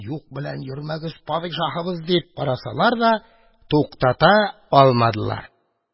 Юк белән йөрмәгез, падишаһыбыз! – дип карасалар да туктата алмадылар.